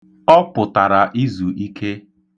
Ọ pụtara izu ike.